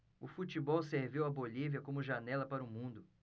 o futebol serviu à bolívia como janela para o mundo